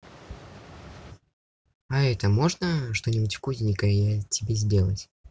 а это можно что нибудь вкусненькое я тебе сделать